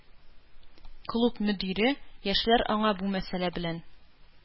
Клуб мөдире, яшьләр аңа бу мәсьәлә белән